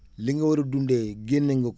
li nga war a dundee génne nga